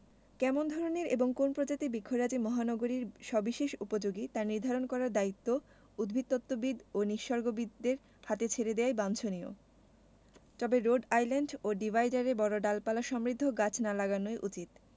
কেমন ধরনের এবং কোন্ প্রজাতির বৃক্ষরাজি মহানগরীর সবিশেষ উপযোগী তা নির্ধারণ করার দায়িত্ব উদ্ভিদতত্ত্ববিদ ও নিসর্গবিদদের হাতে ছেড়ে দেয়াই বাঞ্ছনীয় তবে রোড আইল্যান্ড ও ডিভাইডারে বড় ডালপালাসমৃদ্ধ গাছ না লাগানোই উচিত